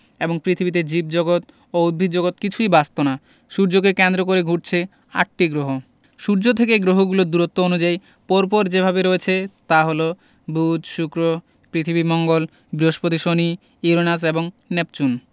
এবং পৃথিবীতে জীবজগত ও উদ্ভিদজগৎ কিছুই বাঁচত না সূর্যকে কেন্দ্র করে ঘুরছে আটটি গ্রহ সূর্য থেকে গ্রহগুলো দূরত্ব অনুযায়ী পর পর যেভাবে রয়েছে তা হলো বুধ শুক্র পৃথিবী মঙ্গল বৃহস্পতি শনি ইউরেনাস এবং নেপচুন